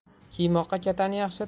kiymoqqa katan yaxshi